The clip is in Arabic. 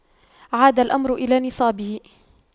عاد الأمر إلى نصابه